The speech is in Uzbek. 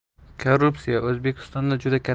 korrupsiya o'zbekistonga juda